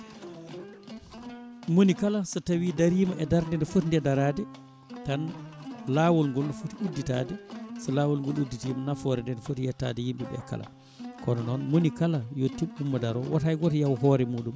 monikala so tawi darima e darde nde footi nde darade tan lawol ngol footi udditade so lawol ngol udditima nafoore nde ne footi yettade yimɓeɓe kala kono noon moni kala yo tinno ummo daaro wonto hay goto yaawo hoore muɗum